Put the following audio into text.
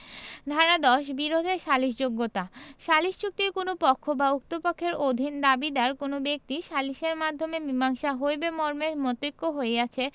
ধারা ১০ বিরোধের সালিসযোগ্যতাঃ সালিস চুক্তির কোন পক্ষ বা উক্ত পক্ষের অধীন দাবীদার কোন ব্যক্তি সালিসের মাধ্যমে মীসাংসা হইবে মর্মে মতৈক্য হইয়াছে